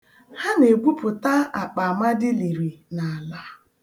Ha na-egwupụta akpa Amadị liri n'ala.